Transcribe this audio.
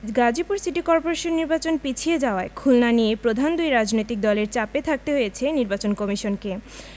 Gazipur city corporation নির্বাচন পিছিয়ে যাওয়ায় খুলনা নিয়ে প্রধান দুই রাজনৈতিক দলের চাপে থাকতে হয়েছে নির্বাচন কমিশনকে